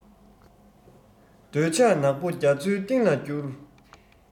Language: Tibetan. འདོད ཆགས ནག པོ རྒྱ མཚོའི གཏིང ལ བསྐྱུར